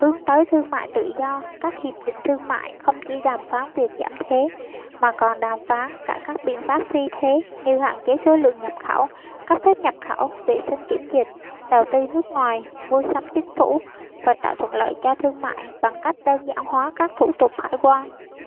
hướng tới thương mại tự do các hiệp định thương mại không chỉ đàm phán việc giảm thuế mà còn đàm phán cả các biện pháp phi thuế như hạn chế số lượng nhập khẩu cấp phép nhập khẩu vệ sinh kiểm dịch đầu tư nước ngoài mua sắm chính phủ và tạo thuận lợi cho thương mại bằng cách đơn giản hóa các thủ tục hải quan